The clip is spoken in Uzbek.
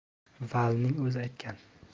valining o'zi aytgan